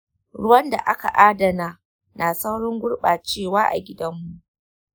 ruwan da aka adana na saurin gurɓacewa a gidanmu.